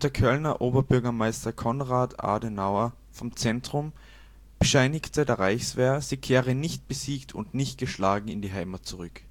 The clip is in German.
Kölner Oberbürgermeister Konrad Adenauer vom Zentrum bescheinigte der Reichswehr, sie kehre „ nicht besiegt und nicht geschlagen “in die Heimat zurück